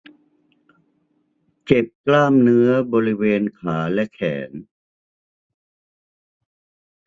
เจ็บกล้ามเนื้อบริเวณขาและแขน